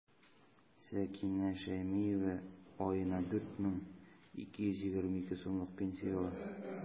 Сәкинә Шәймиева аена 4 мең 225 сумлык пенсия ала.